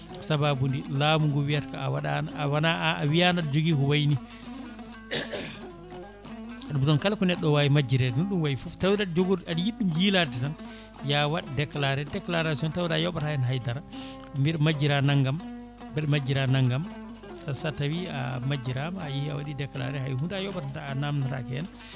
sababude laamu ngu wiyata ka waɗano a wona a wiyano aɗa jogui ko waayi ni ɗum noon kala ko neɗɗo o wawi majjirede no ɗum waayi foof tawde aɗa jogori aɗa yiiɗi ɗum yiilade tan ya waat déclaré déclaration tawde a yooɓata hen haydara mbiɗa majjira naggam mbeɗa majjira naggam so tawi a majjirama a yeehi a waɗi déclaré hay hunde a yooɓanta a namdetake hen